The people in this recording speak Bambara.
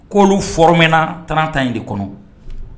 Koolu foro mɛnna tanta yen de kɔnɔ